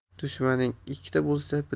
dushmaning ikkita bo'lsa